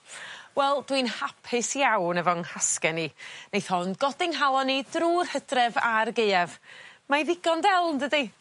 Wel dwi'n hapus iawn efo'n nghasgen i neith hon godi'n nghalon i drw'r Hydref a'r Gaeaf mae ddigon del yndydi?